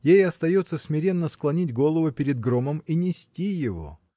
Ей остается смиренно склонить голову перед громом и нести его.